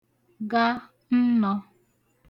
ga nnọ̄